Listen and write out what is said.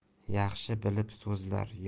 yaxshi bilib so'zlar